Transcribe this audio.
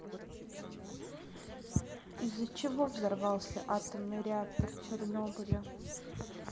из за чего взорвался атомный реактор чернобыля